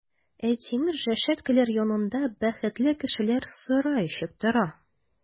Ә тимер рәшәткәләр янында бәхетле кешеләр сыра эчеп тора!